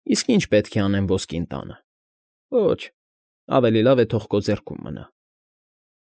Իսկ ի՞նչ պետք է անեմ ոսկին տանը։ Ոչ, ավելի լավ է թող քո ձեռքում մնա։